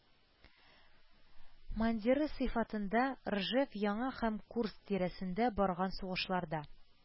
Мандиры сыйфатында ржев яны һәм курск тирәсендә барган сугышларда